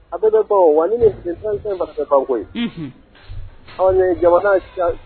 A bɛɛ bɛ ban o wa ni ni système tɛ fɛn fana tɛ ban koyi; Unhun; Ɔ ni jamana in situation